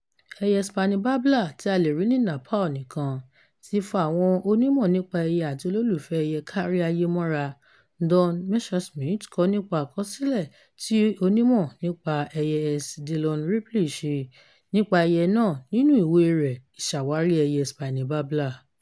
Ẹyẹ Spiny Babbler, tí a lè rí ní Nepal nìkan, ti fa àwọn onímọ̀-nípa-ẹyẹ àti olólùfẹ́ ẹyẹ káríayé mọ́ra. Don Messerschmidt kọ nípa àkọsílẹ̀ tí onímọ̀-nípa-ẹyẹ S. Dillon Ripley ṣe nípa ẹyẹ náà nínú ìwée rẹ̀ Ìṣàwárí ẹyẹ Spiny Babbler: